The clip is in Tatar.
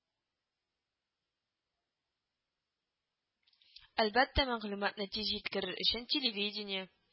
Әлбәттә, мәгълүматны тиз җиткерер өчен телевидение